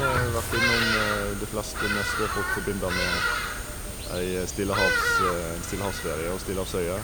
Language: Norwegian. Vært innom det fleste meste folk forbinder med ei stillehavs en stillehavsferie og stillehavsøyer.